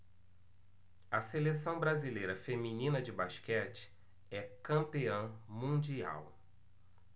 a seleção brasileira feminina de basquete é campeã mundial